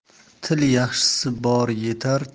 til yaxshisi bor etar